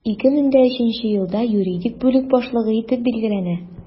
2003 елда ул юридик бүлек башлыгы итеп билгеләнә.